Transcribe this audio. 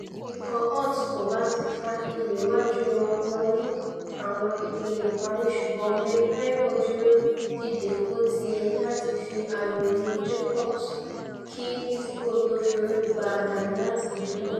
Ikọ̀ Holt kòbá ti fa ìléwájú wọn wọnú àwọn ipele ìparí ṣùgbọn McGregor duro dìde bótiyẹ láti fí ayò dun Jacobs kí Lithgow tó fi orí gbá a dànù láti igun náà.